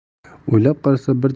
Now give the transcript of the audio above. o'ylab qarasa bir